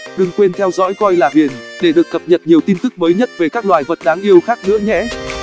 đừng quên theo dõi coi là ghiền để được cập nhật nhiều tin tức mới nhất về các loài vật đáng yêu khác nữa nhé